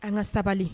An ka sabali